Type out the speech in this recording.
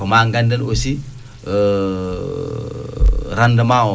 ko maa ngannden aussi rendement o